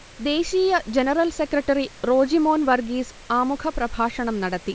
ദേശീയ general secretary Rojimon Varghese ആമുഖപ്രഭാഷണം നടത്തി